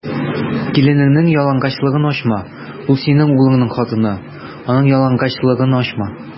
Киленеңнең ялангачлыгын ачма: ул - синең углыңның хатыны, аның ялангачлыгын ачма.